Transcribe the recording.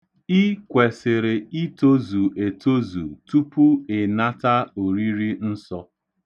I kwesịrị itozu etozu tupu ị nata Oriri Nsọ.